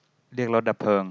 เรียกรถดับเพลิง